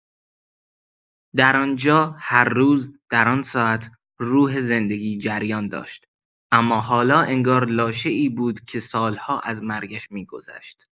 در آن‌جا، هر روز، در آن ساعت، روح زندگی جریان داشت، اما حالا انگار لاشه‌ای بود که سال‌ها از مرگش می‌گذشت.